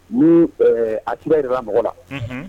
Ni a ci jirara mɔgɔ la